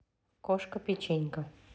кошка печенька